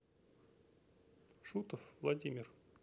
шутов владимир